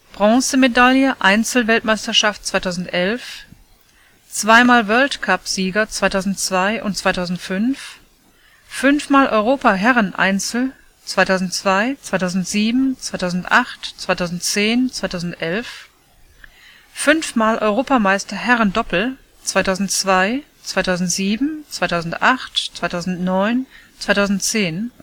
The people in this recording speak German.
Bronzemedaille Einzel-WM 2011 2x World Cup-Sieger 2002, 2005 5x Europameister Herren-Einzel 2002, 2007, 2008, 2010, 2011 5x Europameister Herren-Doppel 2002, 2007, 2008, 2009, 2010